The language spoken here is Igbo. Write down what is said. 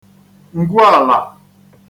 ǹgwuàlà